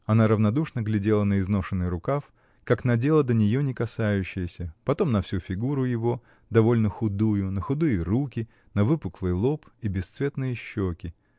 Она равнодушно глядела на изношенный рукав, как на дело до нее не касающееся, потом на всю фигуру его, довольно худую, на худые руки, на выпуклый лоб и бесцветные щеки.